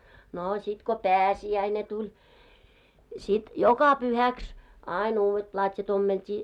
no sitten kun pääsiäinen tuli sitten joka pyhäksi aina uudet platjat ommeltiin